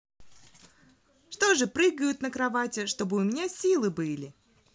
что же прыгают на кровати чтобы у меня силы были